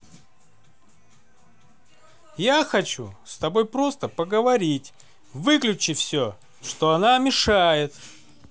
я хочу с тобой просто поговорить выключи все что она мешает